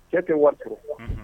Cɛ tɛ wari tu fɔ